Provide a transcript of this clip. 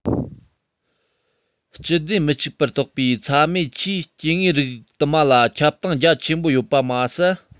སྤྱི སྡེ མི གཅིག པར གཏོགས པའི ཚྭ མེད ཆུའི སྐྱེ དངོས རིགས དུ མ ལ ཁྱབ སྟངས རྒྱ ཆེན པོ ཡོད པ མ ཟད